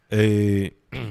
Ɛɛ